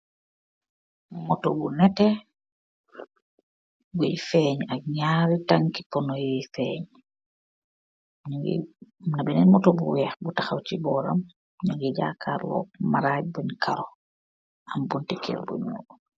Moto bu neteh, bui fein ak nyari tanki pono youi fein, benen moto bu weah bu tahaw si boram mungi jakarlo ak maraj bun karo am bunti kerr bu nyul.